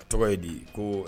A tɔgɔ ye de ko